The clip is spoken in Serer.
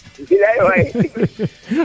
bilaay waay